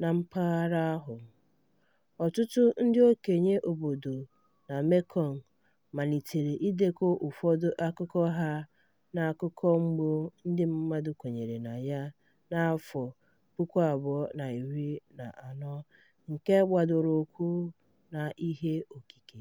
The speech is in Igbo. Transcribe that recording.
na mpaghara ahụ, ọtụtụ ndị okenye obodo na Mekong malitere idekọ ụfọdụ akụkọ ha na akụkọ gboo ndị mmadụ kwenyere na ya na 2014 nke gbadoro ụkwụ n'ihe okike.